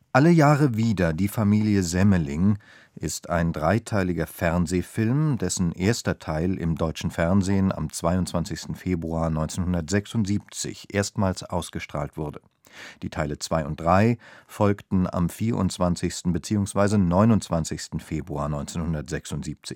Alle Jahre wieder – Die Familie Semmeling ist ein dreiteiliger Fernsehfilm aus dem Jahre 1976, dessen erster Teil im Deutschen Fernsehen am 22. Februar 1976 erstmals ausgestrahlt wurde; die Teile 2 und 3 folgten am 24. bzw. 29. Februar 1976. Die